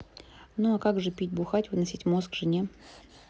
ну а как же пить бухать выносить мозг жене